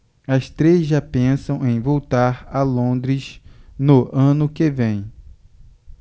as três já pensam em voltar a londres no ano que vem